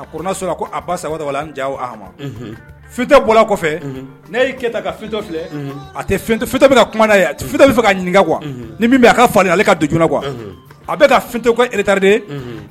A ko ba sa ja ma bɔ kɔfɛ katɔ filɛ a tɛ bɛ ka kuma ye fɛ ka ɲininkaka ni min a ka falen ale ka donj a bɛ ka etari